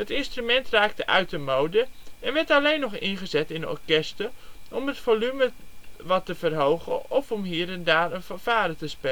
instument raakte uit de mode en werd alleen nog ingezet in orkesten om het volume wat te verhogen of om hier en daar een fanfare te spelen. De